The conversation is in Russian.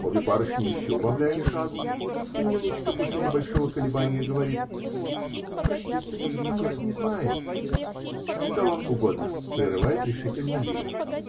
Обе барышни еще убавляют шагу, и "Нюничка" после небольшого колебания говорит: -- Простите, но мы вас не знаем. -- Что вам угодно? -- прерывает решительно Лида.